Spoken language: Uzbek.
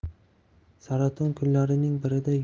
saraton kunlarining birida yo'l